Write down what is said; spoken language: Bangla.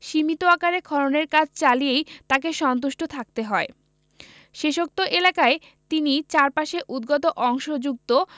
সীমিত আকারে খননের কাজ চালিয়েই তাঁকে সন্তুষ্ট থাকতে হয় শেষোক্ত এলাকায় তিনি চারপাশে উদ্গত অংশযুক্ত